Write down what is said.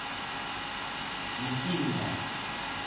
нести меня